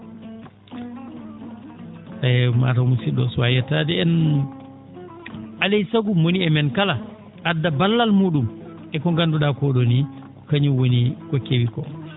eyyo maa taw musid?o o suuwa yettaade en alaa e sago mo woni e men kala adda ballal mu?um e ko gandu?a ko?oni ko kañum woni ko kewi ko